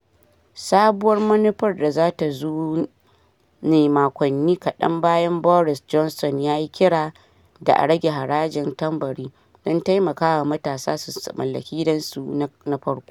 Sabuwar manufar ta zo ne makonni kaɗan bayan Boris Johnson ya yi kira da a rage harajin tambari don taimakawa matasa su mallaki gidansu na farko.